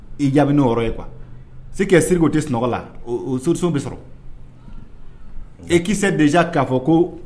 I jaabi'o yɔrɔ ye se tɛ siri o tɛ sunɔgɔ la soso bɛ sɔrɔ e kisɛ de k'a fɔ ko